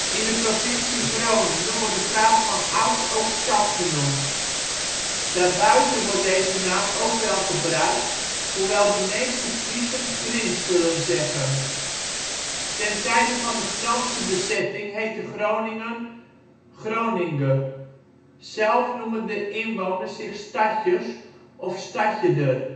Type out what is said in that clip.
In de provincie Groningen wordt de plaats vanouds ook " Stad " genoemd. Daarbuiten wordt deze naam ook wel gebruikt, hoewel de meeste Friezen Grins zullen zeggen. Ten tijde van de Franse bezetting heette Groningen Groningue. Zelf noemen de inwoners zich " Stadjer " of " Stadjeder